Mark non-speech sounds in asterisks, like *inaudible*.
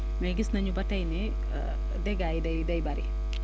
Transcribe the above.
mais gis nañu ba tey ne *hesitation* dégâts yi day day bëri